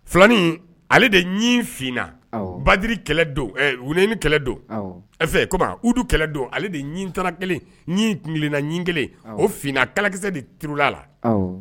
Filanin ale de ɲin fna awɔ, badiri kɛlɛ don , e hunɛni kɛlɛ don, awɔ, ɛɛ comment Hud kɛlɛ don , ale de ɲin tara 1, ɲin kunkelenna 1 , o fin na, kalakisɛ de turu la a la!